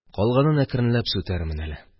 Калганын әкренләп сүтәрмен әле.